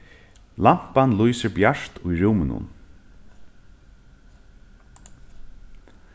lampan lýsir bjart í rúminum